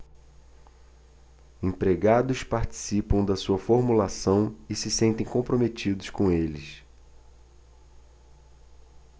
empregados participam da sua formulação e se sentem comprometidos com eles